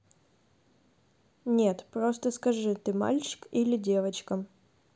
нет просто скажи ты мальчик или девочка